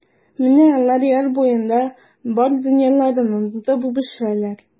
Менә алар яр буенда бар дөньяларын онытып үбешәләр.